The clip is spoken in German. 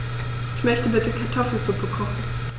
Ich möchte bitte Kartoffelsuppe kochen.